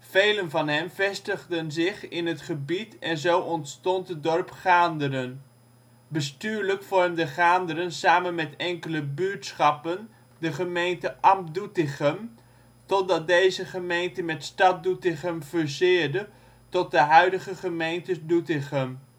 Velen van hen vestigden zich in het gebied en zo ontstond het dorp ' Gaanderen '. Bestuurlijk vormde Gaanderen samen met enkele buurtschappen de gemeente Ambt Doetinchem totdat deze gemeente met Stad Doetinchem fuseerde tot de huidige gemeente Doetinchem